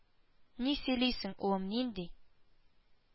Ни сөйлисең, улым, нинди